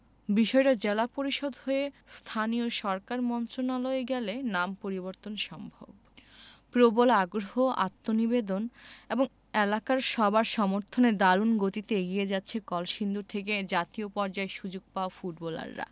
বিষয়টা জেলা পরিষদ হয়ে স্থানীয় সরকার মন্ত্রণালয়ে গেলে নাম পরিবর্তন সম্ভব প্রবল আগ্রহ আত্মনিবেদন এবং এলাকার সবার সমর্থনে দারুণ গতিতে এগিয়ে যাচ্ছে কলসিন্দুর থেকে জাতীয় পর্যায়ে সুযোগ পাওয়া ফুটবলাররা